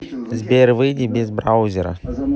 сбер выйди из браузера